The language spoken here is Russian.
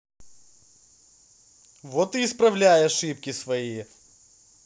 вот и исправляй ошибки свои